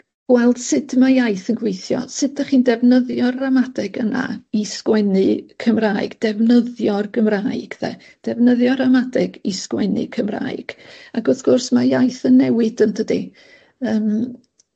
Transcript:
gweld sut ma' iaith yn gweithio, sut 'dach chi'n defnyddio'r ramadeg yna i sgwennu Cymraeg, defnyddio'r Gymraeg de defnyddio ramadeg i sgwennu Cymraeg ac wrth gwrs ma' iaith yn newid yndydi? Yym.